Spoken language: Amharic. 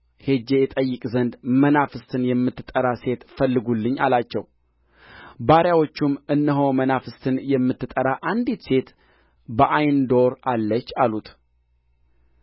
ሄጄ እጠይቅ ዘንድ መናፍስትን የምትጠራ ሴት ፈልጉልኝ አላቸው ባሪያዎቹም እነሆ መናፍስትን የምትጠራ አንዲት ሴት በዓይንዶር አለች አሉት